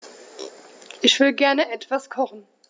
Ich will gerne etwas kochen.